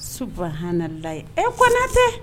Suba halayi e konatɛ